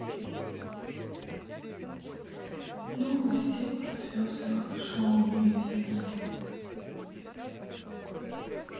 новости о звездах шоу бизнеса